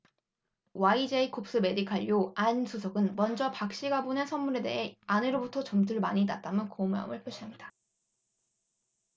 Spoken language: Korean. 와이제이콥스메디칼이요 안 수석은 먼저 박 씨가 보낸 선물에 대해 아내로부터 점수를 많이 땄다며 고마움을 표시합니다